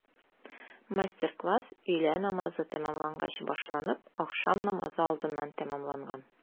Мастер-класс өйлә намазы тәмамлангач башланып, ахшам намазы алдыннан тәмамланган.